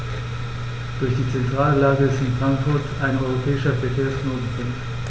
Durch die zentrale Lage ist Frankfurt ein europäischer Verkehrsknotenpunkt.